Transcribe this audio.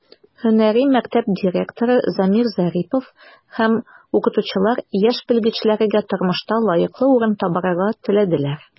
Һөнәри мәктәп директоры Замир Зарипов һәм укытучылар яшь белгечләргә тормышта лаеклы урын табарга теләделәр.